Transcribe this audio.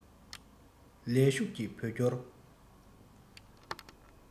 ལས ཞུགས ཀྱི བོད སྐྱོར